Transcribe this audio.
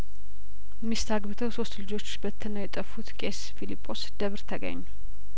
ሚስት አግብተው ሶስት ልጆችበት ነው የጠፉት ቄስ ፊሊጶ ስደብር ተገኙ